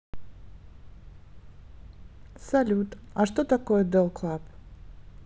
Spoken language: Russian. салют а что такое del club